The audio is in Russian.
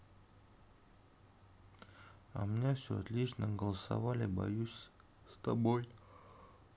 а у меня все отлично голосовали боюсь с тобой